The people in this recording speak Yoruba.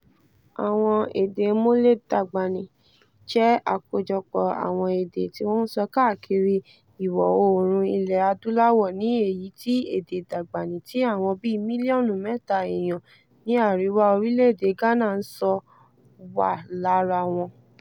Àwọn èdè Mole-Dagbani jẹ́ àkójọpọ̀ àwọn èdè tí wọ́n ń sọ káàkiri Ìwọ̀ Oòrùn Ilẹ̀ Adúláwò ní èyí tí èdè Dagbani tí àwọn bíi mílíọ̀nù mẹ́ta èèyàn ní àríwá orílẹ̀-èdè Ghana ń sọ wà lára wọn.